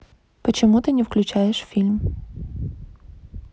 почему ты не включаешь фильм